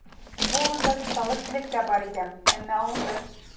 Бу урында тукталыш элек тә бар иде, әмма алынды.